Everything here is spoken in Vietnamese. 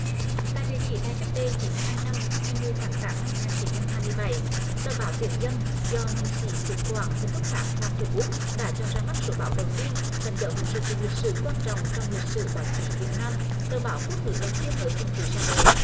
tại địa chỉ này cách đây chín hai năm ngày mười tháng tám năm nghìn chín trăm hai mươi bảy tờ báo tiếng dân do nhân sĩ xứ quảng huỳnh thúc kháng làm chủ bút đã cho ra mắt số báo đầu tiên đánh dấu một sự kiện lịch sử quan trọng trong lịch sử báo chí việt nam tờ báo quốc ngữ đầu tiên ở trung kỳ ra đời